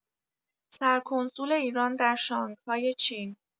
سرکنسول ایران در شانگهای چین